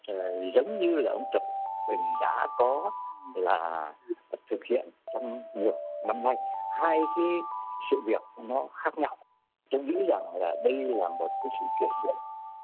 giống như là ông tập cận bình đã có là thực hiện trong nhiều năm nay hai cái sự việc nó khác nhau tôi nghĩ rằng đây là một sự chuyển biến